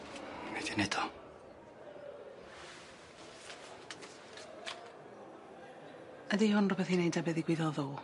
Nei 'di neud o? Ydi hwn rwbeth i neud â be' ddigwyddodd ddo?